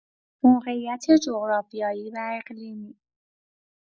موقعیت جغرافیایی و اقلیمی